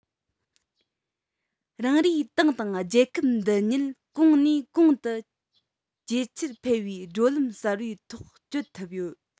རང རེའི ཏང དང རྒྱལ ཁབ འདི ཉིད གོང ནས གོང དུ ཆེས ཆེར འཕེལ བའི བགྲོད ལམ གསར པའི ཐོག བསྐྱོད ཐུབ ཡོད